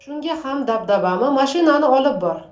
shunga ham dabdabami mashinani olib bor